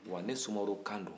ne sumaworo kan don